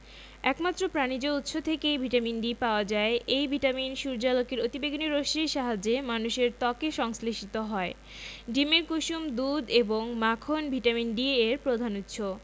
একমাত্র প্রাণিজ উৎস থেকেই ভিটামিন D পাওয়া যায় এই ভিটামিন সূর্যালোকের অতিবেগুনি রশ্মির সাহায্যে মানুষের ত্বকে সংশ্লেষিত হয় ডিমের কুসুম দুধ এবং মাখন ভিটামিন D এর প্রধান উৎস